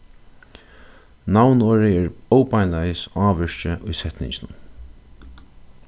navnorðið er óbeinleiðis ávirki í setninginum